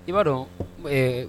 I b'a dɔn ɛɛ